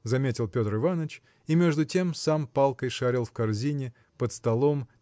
– заметил Петр Иваныч и между тем сам палкой шарил в корзине под столом